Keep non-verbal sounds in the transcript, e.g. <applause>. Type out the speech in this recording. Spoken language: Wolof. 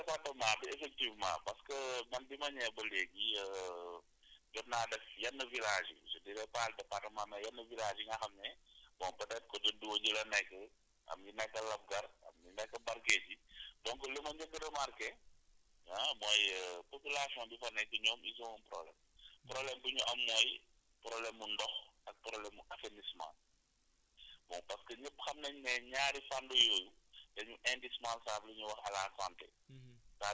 waaw ci biir département bi effectivement parce que man bi ma ñëwee ba léegi <hesitation> jot naa def yenn villages yi je dirai pas département mais yenn villages yi nga xam ne bon peut être côté Doji la nekk am yu nekk Labgar am yu nekk Bargeji donc li ma njëkk a remarqué ah mooy <hesitation> population bi fa nekk ñoom ils ont un problème problème bu ñu am mooy problème mu ndox ak problème mu assainissement bon parce que ñëpp xam nañ ne ñaari fànn yooyu dañu indispensable li ñuy wax à la santé